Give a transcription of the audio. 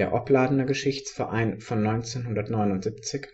Opladener Geschichtsverein von 1979